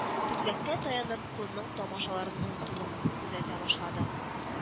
Түмгәккә таянып, колынның тамашаларын онытылып күзәтә башлады